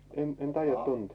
en en taida tuntea